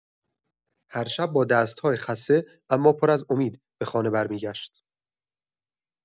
هر شب با دست‌های خسته اما پر از امید به خانه برمی‌گشت.